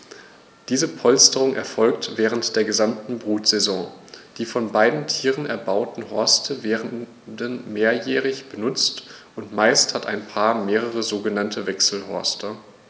Diese Polsterung erfolgt während der gesamten Brutsaison. Die von beiden Tieren erbauten Horste werden mehrjährig benutzt, und meist hat ein Paar mehrere sogenannte Wechselhorste.